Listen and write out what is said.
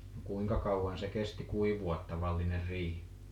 no kuinka kauan se kesti kuivua tavallinen riihi